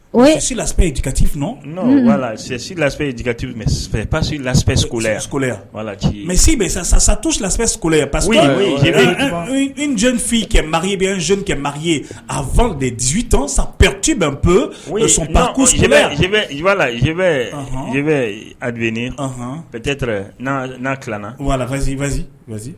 Sila yekati fsila yeti pasi lafɛlahi mɛsi bɛ sa sa sa tusilafɛ pa nj f kɛ maki i bɛ kɛ maki ye a faw de dit sa bɛp'a abunen bɛɛ tɛ na tilana walalaz